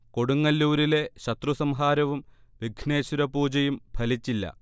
കൊടുങ്ങല്ലൂരിലെ ശത്രു സംഹാരവും വിഘ്നേശ്വര പൂജയും ഫലിച്ചില്ല